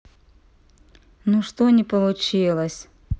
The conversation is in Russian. ну что не получилось